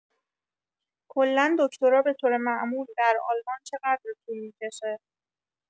کلا دکترا به‌طور معمول در المان چقدر طول می‌کشه؟